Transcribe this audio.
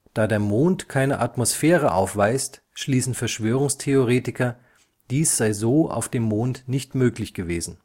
Da der Mond keine Atmosphäre aufweist, schließen Verschwörungstheoretiker, dies sei so auf dem Mond nicht möglich gewesen